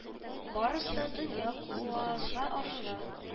Барысы да дөнья куарга ашыга